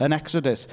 Yn Ecsodus.